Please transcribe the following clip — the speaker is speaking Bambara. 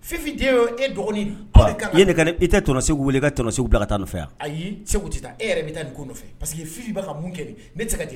Fifin den e dɔgɔnin i tɛ t segu weelekɛ t segu daga ka tan nɔfɛ yan ayi segu tɛ taa e yɛrɛ bɛ taa nin ko nɔfɛ paseke fiba ka mun kɛ ne tɛ se ka